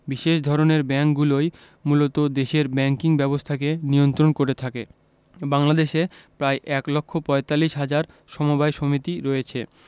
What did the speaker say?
বিশেষ ধরনের ব্যাংকগুলোই মূলত দেশের ব্যাংকিং ব্যবস্থাকে নিয়ন্ত্রণ করে থাকে বাংলাদেশে প্রায় এক লক্ষ পয়তাল্লিশ হাজার সমবায় সমিতি রয়েছে